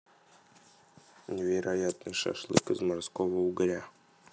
невероятный шашлык из морского угря